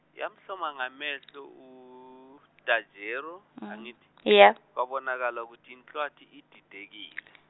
basuka e Ebrona bamisa e Eziyongabheri.